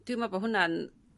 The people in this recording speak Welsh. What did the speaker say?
Dwi meddwl bo' hwna'n